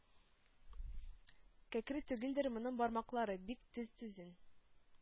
Кәкре түгелдер моның бармаклары — бик төз төзен,